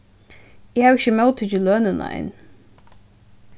eg havi ikki móttikið lønina enn